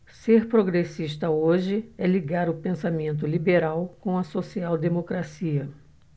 ser progressista hoje é ligar o pensamento liberal com a social democracia